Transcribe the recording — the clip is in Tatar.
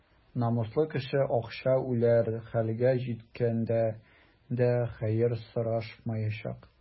Намуслы кеше ачка үләр хәлгә җиткәндә дә хәер сорашмаячак.